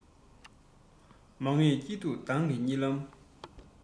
མ ངེས སྐྱིད སྡུག མདང གི རྨི ལམ